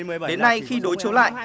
mười bảy đến nay khi đối chiếu lại